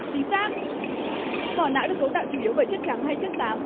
chính xác vỏ não được cấu tạo chủ yếu bởi chất trắng hay chất xám